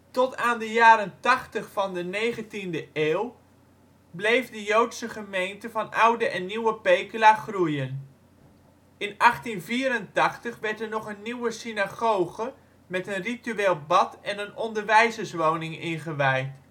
Tot aan de jaren tachtig van de negentiende eeuw bleef de Joodse gemeente van Oude en Nieuwe Pekela groeien. In 1884 werd er nog een nieuwe synagoge met een ritueel bad en een onderwijzerswoning ingewijd